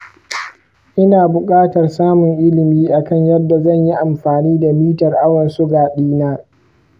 ina buƙatar samun ilimi akan yadda zanyi amfani da mitar awon suga ɗina.